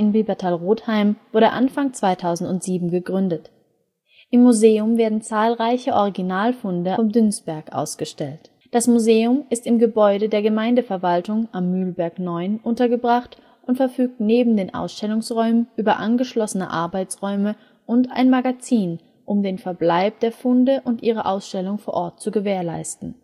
Biebertal-Rodheim wurde Anfang 2007 gegründet. Im Museum werden zahlreiche Originalfunde vom Dünsberg ausgestellt. Das Museum ist im Gebäude der Gemeindeverwaltung (Am Mühlberg 9) untergebracht und verfügt neben den Ausstellungsräumen über angeschlossene Arbeitsräume und ein Magazin, um den Verbleib der Funde und ihre Ausstellung vor Ort zu gewährleisten